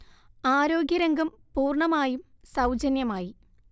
ആരോഗ്യരംഗം പൂർണ്ണമായും സൗജന്യമായി